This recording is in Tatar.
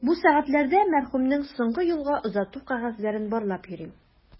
Бу сәгатьләрдә мәрхүмнең соңгы юлга озату кәгазьләрен барлап йөрим.